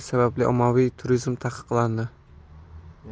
sababli ommaviy turizm taqiqlandi